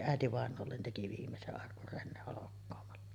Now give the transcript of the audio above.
äitivainajalle teki viimeisen arkun Renne holkkaamalla